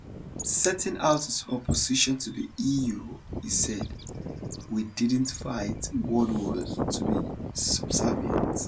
Setting out his opposition to the EU, he said: 'We didn't fight world wars to be subservient.